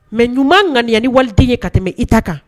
Mɛ ɲuman ŋaniani waliden ye ka tɛmɛ i ta kan